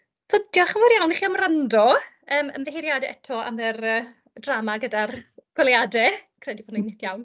So, diolch yn fawr iawn i chi am wrando. Yym, ymddiheuriade eto am yr yy y drama gyda'r goleuadau, credu bod nhw'n iawn.